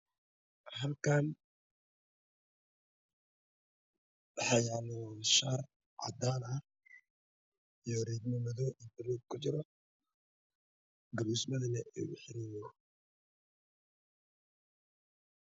Halkaan waxa yaalo shaar cadaan ah